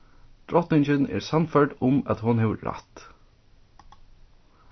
drotningin er sannførd um at hon hevur rætt